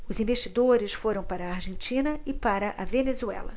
os investidores foram para a argentina e para a venezuela